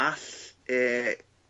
all e